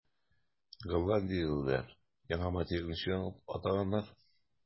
Голландиялеләр яңа материкны ничек атаганнар?